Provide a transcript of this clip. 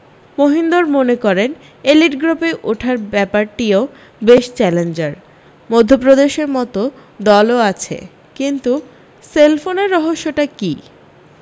মহিন্দর মনে করেন এলিট গ্রুপে ওঠার ব্যাপারটিও বেশ চ্যালেঞ্জার মধ্যপ্রদেশের মতো দলও আছে কিন্তু সেলফোনের রহস্যটা কী